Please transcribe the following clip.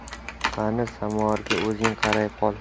qani samovarga o'zing qaray qol